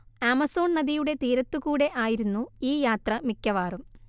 Amazon നദിയുടെ തീരത്തുകൂടെ ആയിരുന്നു ഈ യാത്ര മിക്കവാറും